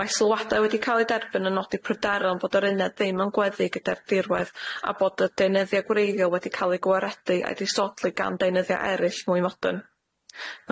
Mae sylwadau wedi cael eu derbyn yn nodi pryderon fod yr uned ddim yn gweddu gyda'r dirwedd a bod y deunyddiau gwreiddiol wedi cael eu gwaredu a'u disodli gan deunyddiau eraill mwy modyn.